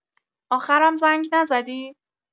آخرم زنگ نزدی؟